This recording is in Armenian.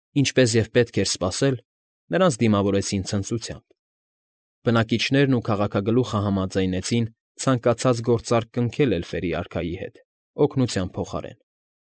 Ինչպես և պետք էր սպասել, նրանց դիմավորեցին ցնծությամբ, բնակիչներն ու քաղաքագլուխը համաձայնեցին ցանկացած գործարք կնքել էլֆերի արքայի հետ՝ օգնության փոխարեն։